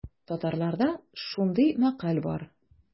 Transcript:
Татарларда шундый мәкаль бар.